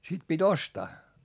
sitten piti ostaa